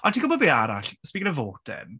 Ond ti'n gwybod be arall? Speaking of voting.